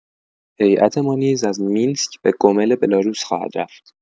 هیئت ما نیز از مینسک به گومل بلاروس خواهد رفت.